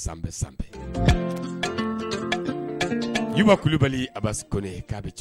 I' kulubali aba k'a